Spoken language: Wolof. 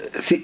bañ a am